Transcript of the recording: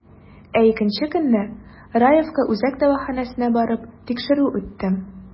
Ә икенче көнне, Раевка үзәк дәваханәсенә барып, тикшерү үттем.